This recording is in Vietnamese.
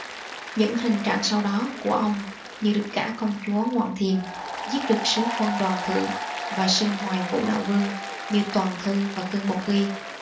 những hành trạng sau đó của ông như được gả công chúa ngoạn thiềm giết được sứ quân đoàn thượng và xưng hoài vũ đạo vương như toàn thư và cương mục ghi